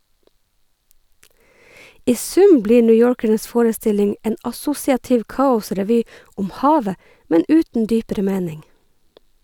I sum blir newyorkernes forestilling en assosiativ kaosrevy om havet, men uten dypere mening.